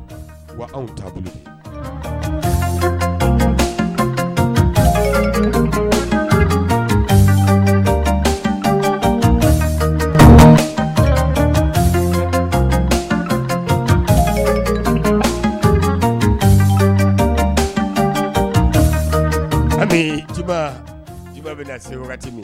Anw an jiba bɛ seti